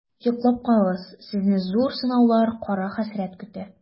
Йоклап калыгыз, сезне зур сынаулар, кара хәсрәт көтә.